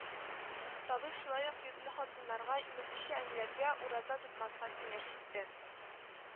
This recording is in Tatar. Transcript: Табиб шулай ук йөкле хатыннарга, имезүче әниләргә ураза тотмаска киңәш итте